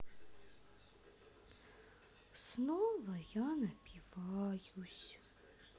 снова я напиваюсь